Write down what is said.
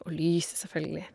Og lyset, selvfølgelig.